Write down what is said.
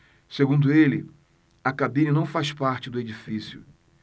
segundo ele a cabine não faz parte do edifício